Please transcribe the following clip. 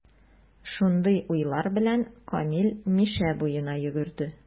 Шундый уйлар белән, Камил Мишә буена йөгерде.